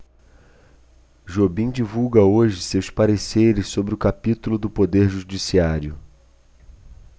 jobim divulga hoje seus pareceres sobre o capítulo do poder judiciário